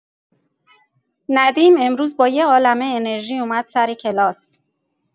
ندیم امروز با یه عالمه انرژی اومد سر کلاس.